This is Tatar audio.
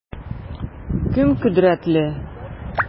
Кем кодрәтле?